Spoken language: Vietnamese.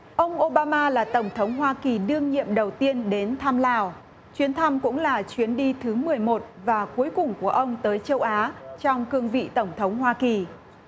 ông ô ba ma là tổng thống hoa kỳ đương nhiệm đầu tiên đến thăm lào chuyến thăm cũng là chuyến đi thứ mười một và cuối cùng của ông tới châu á trong cương vị tổng thống hoa kỳ